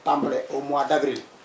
tàmbale au mois d' avril